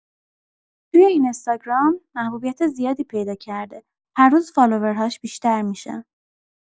توی اینستاگرام محبوبیت زیادی پیدا کرده، هر روز فالورهاش بیشتر می‌شن.